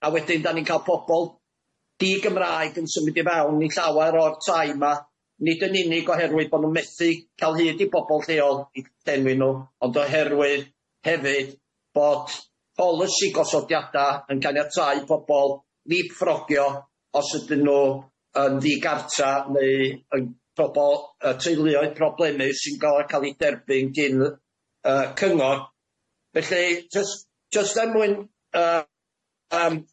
A wedyn dan ni'n ca'l pobol di-Gymraeg yn symud i fewn i llawer o'r tai ma', nid yn unig oherwydd bo' nw'n methu ca'l hyd i bobol lleol i llenwi nw ond oherwydd hefyd bod policy gosodiada yn caniatáu i pobol ni ffrogio os ydyn nw yn ddigarta neu yn pobol yy teuluoedd problemus sy'n ga'l a ca'l i derbyn gin yy cyngor felly jys jyst er mwyn yy yym